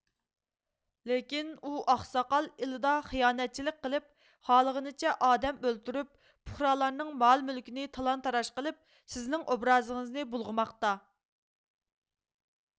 لېكىن ئۇ ئاقساقال ئىلىدا خىيانەتچىلىك قىلىپ خالىغىنىچە ئادەم ئۆلتۈرۈپ پۇقرالارنىڭ مال مۈلكىنى تالان تاراج قىلىپ سىزنىڭ ئوبرازىڭىزنى بۇلغىماقتا